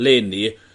leni